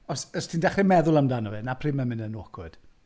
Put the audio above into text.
Os os ti'n dechrau meddwl amdano fe, dyna pryd mae'n mynd yn awkward.